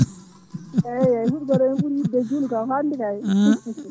eyyi eyyi huuɗo o ɓuuri yidde e juula kam hande kayi